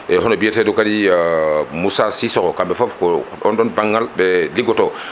eyyi hono biyeteɗo kadi Moussa Cissokho kamɓe foof ko oɗon banggal ɓe liggoto